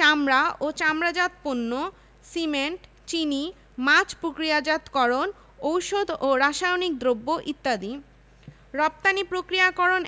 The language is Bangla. গভীরতাতেই ভূগর্ভস্থ পানি পাওয়া যায় তুলনামূলক উঁচু সোপান এলাকা অর্থাৎ বরেন্দ্রভূমি ও মধুপুরগড় এলাকায় প্লাইসটোসিন ডুপি